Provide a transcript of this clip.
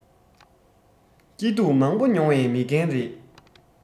སྐྱིད སྡུག མང པོ མྱོང བའི མི རྒན རེད